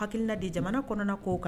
Hakilina di jamana kɔnɔna kow kan